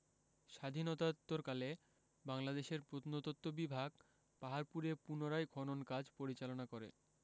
স্বাধীনতাত্তোরকালে বাংলাদেশের প্রত্নতত্ত্ব বিভাগ পাহাড়পুরে পুনরায় খনন কাজ পরিচালনা করে